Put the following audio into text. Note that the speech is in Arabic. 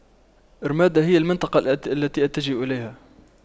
ارمادا هي المنطقة التي أتجه اليها